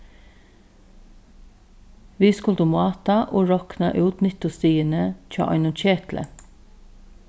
vit skuldu máta og rokna út nyttustigini hjá einum ketli